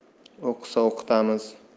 o'qisa o'qitamiz